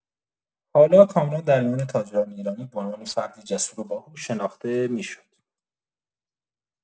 حالا کامران در میان تاجران ایرانی به عنوان فردی جسور و باهوش شناخته می‌شد.